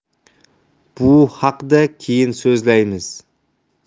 bu haqda keyin so'zlaymiz